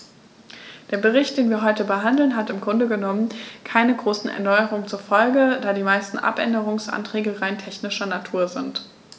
Der Bericht, den wir heute behandeln, hat im Grunde genommen keine großen Erneuerungen zur Folge, da die meisten Abänderungsanträge rein technischer Natur sind.